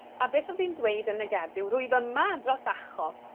A beth odd 'i'n dweud yn y gerdd yw rwyf yma dros achos